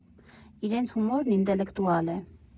Իրենց հումորն ինտելեկտուալ է։